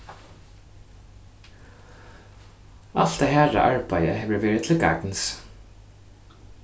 alt tað harða arbeiðið hevur verið til gagns